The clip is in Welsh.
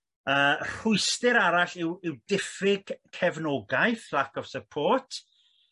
Yy rhwystr arall yw yw diffryg cefnogaeth lack of support